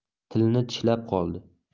tilini tishlab qoldi